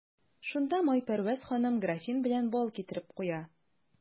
Шунда Майпәрвәз ханым графин белән бал китереп куя.